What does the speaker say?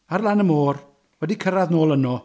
Ar lan y môr, wedi cyrraedd nôl yno...